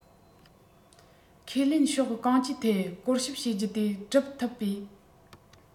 ཁས ལེན ཕྱོགས གང ཅིའི ཐད སྐོར ཞིབ བྱེད རྒྱུ དེ སྒྲུབ ཐུབ པས